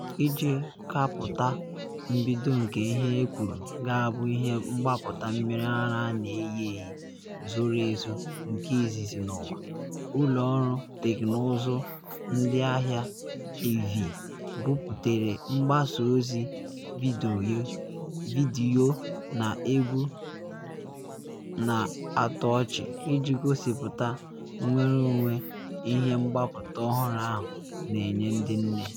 Iji kapụta mbido nke ihe ekwuru ga-abụ “ihe mgbapụta mmiri ara a na eyi eyi zoro ezo nke izizi n’ụwa,” ụlọ ọrụ teknụzụ ndi ahia Elvie buputere mgbasa ozi vidiyo na egwu na atọ ọchi iji gosipụta nnwere onwe ihe mgbapụta ọhụrụ ahụ na enye ndi nne.